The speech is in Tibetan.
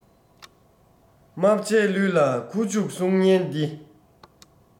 རྨ བྱའི ལུས ལ ཁུ བྱུག གསུང སྙན འདི